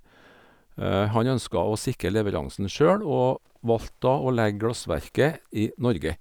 Han ønska å sikre leveransen sjøl, og valgte da å legge glassverket i Norge.